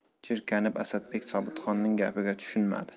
jirkanib asadbek sobitxonning gapiga tushunmadi